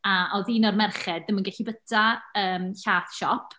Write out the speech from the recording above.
A oedd un o'r merched ddim yn gallu byta yym llaeth siop.